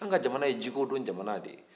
an ka jamana ye jogodɔn jamana de ye